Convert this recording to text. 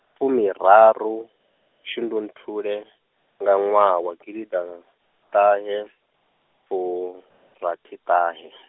fumiraru, shundunthule, nga ṅwaha wa gidiḓaṱahefurathiṱahe .